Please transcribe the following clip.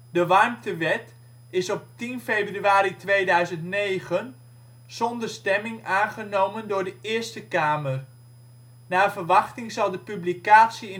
De Warmtewet is op 10 februari 2009 zonder stemming aangenomen door de Eerste Kamer. Naar verwachting zal de publicatie